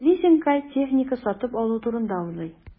Лизингка техника сатып алу турында уйлый.